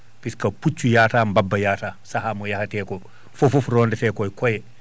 puisque puccu yaata mbabba yaata sahaa mo yaahate ko fof rondate koye kooye